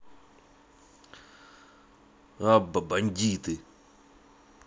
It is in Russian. abba бандиты